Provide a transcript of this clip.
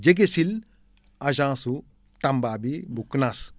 jege sil agence su tamba bi bu CNAAS